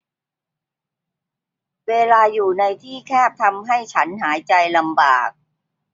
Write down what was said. เวลาอยู่ในที่แคบทำให้ฉันหายใจลำบาก